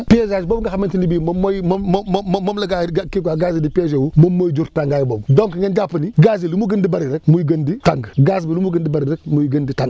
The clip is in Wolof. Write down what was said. piégeage boobu nga xamante ni bii moom mooy moo moo moom la gars yi di kii quoi gaz yi di piégé wu moom mooy jur tàngaay boobu donc ngeen jàpp ni gaz yi lu mu gën di bëri muy gën di tàng gaz yi lu mu gën di bëri rek muy gën di tàng